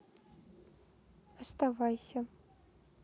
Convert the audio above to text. оставайся